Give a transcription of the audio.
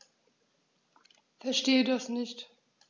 Verstehe das nicht.